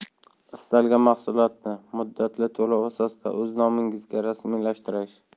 istalgan mahsulotni muddatli to'lov asosida o'z nomingizga rasmiylashtirish